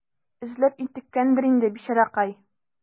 Эзләп интеккәндер инде, бичаракай.